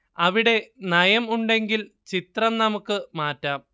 അവിടെ നയം ഉണ്ടെങ്കിൽ ചിത്രം നമുക്ക് മാറ്റാം